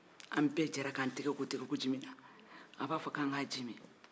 an bɛɛ jɛra k'an tɛgɛ ko tɛgɛkojimin na a b'a fɔ k'an ka ji min